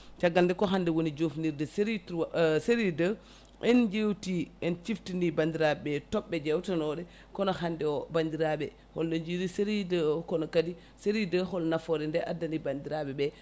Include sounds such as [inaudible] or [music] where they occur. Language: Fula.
caggal nde ko hande woni jofnirde série 3 [hesitation] série 2 en jewti en ciftini bandiraɓe toɓɓe jawtanoɗe kono hande o bandiraɓe holno jiiri série 2 o kono kadi série holno nafoore nde addani bandiraɓeɓe